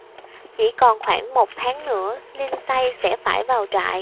chỉ còn khoảng một tháng nữa lindsay sẽ phải vào trại